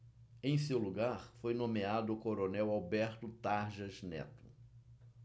em seu lugar foi nomeado o coronel alberto tarjas neto